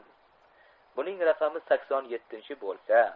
buning raqami sakson yettinchi bo'isa